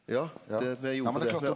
ja .